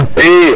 i